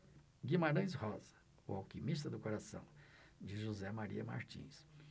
guimarães rosa o alquimista do coração de josé maria martins